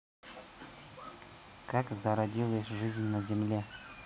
как зародилась жизнь на земле